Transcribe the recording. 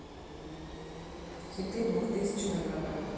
хиты двухтысячных годов